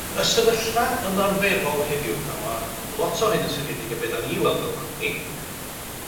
Y sefyllfa ymarferol heddiw, a ma' m- lot o hyn yn seiliedig a' be' 'dan ni 'i weld fel cwmni